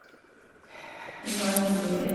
Hun var det mye liv i.